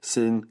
sy'n